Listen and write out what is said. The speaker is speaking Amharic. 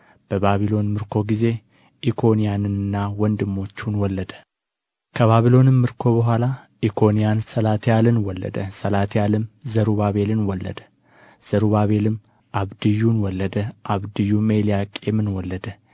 በባቢሎን ምርኮ ጊዜ ኢኮንያንንና ወንድሞቹን ወለደ ከባቢሎንም ምርኮ በኋላ ኢኮንያን ሰላትያልን ወለደ ሰላትያልም ዘሩባቤልን ወለደ ዘሩባቤልም አብዩድን ወለደ አብዩድም ኤልያቄምን ወለደ